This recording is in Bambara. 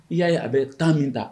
I y'a ye a bɛ tan min ta